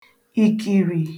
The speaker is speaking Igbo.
ìkìrì